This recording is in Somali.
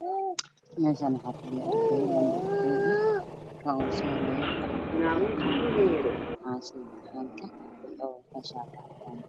Meeshaan waxaa fadhiya arday labo arday ah Kan ugu soo horeeyo gacanta wuxuu ku hayaa ku qalin iyo caashida Imtixaanka wuxuu wataa shaati cadaan.